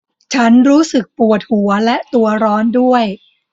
ฉันรู้สึกปวดหัวและตัวร้อนด้วย